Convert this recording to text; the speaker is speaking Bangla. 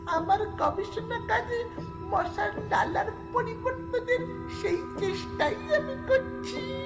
আমার গবেষণাগারে মশার লালার পরিবর্তনের সে চেষ্টায় আমি করছি